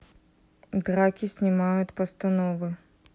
драки снимают постановы